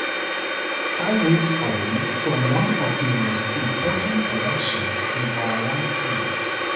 Five weeks away from one of the most important elections in our lifetimes.